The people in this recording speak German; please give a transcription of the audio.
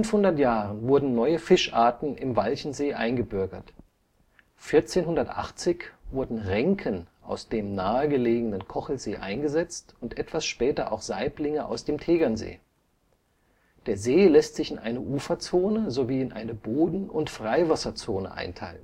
500 Jahren wurden neue Fischarten im Walchensee eingebürgert. 1480 wurden Renken aus dem nahe gelegenen Kochelsee eingesetzt und etwas später auch Saiblinge aus dem Tegernsee. Der See lässt sich in eine Uferzone sowie in eine Boden - und Freiwasserzone einteilen